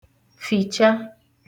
fìcha